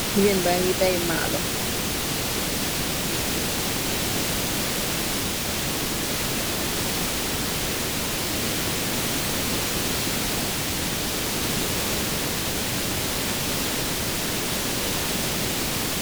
Jegain bage bayee malou.